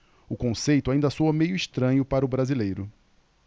o conceito ainda soa meio estranho para o brasileiro